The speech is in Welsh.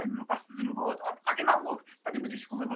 yn r'wbath iddyn nhw fod... ond ag yn amlwg 'da ni 'myn disgwyl i fod